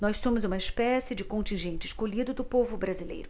nós somos uma espécie de contingente escolhido do povo brasileiro